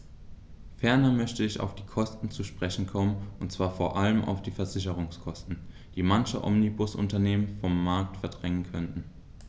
Ferner möchte ich auf die Kosten zu sprechen kommen, und zwar vor allem auf die Versicherungskosten, die manche Omnibusunternehmen vom Markt verdrängen könnten.